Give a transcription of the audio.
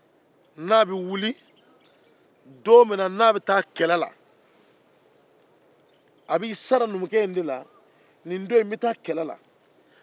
n'a be taa kɛlɛ la don min na a b'i sara numukɛ la ni don in n bɛ taa kɛlɛ la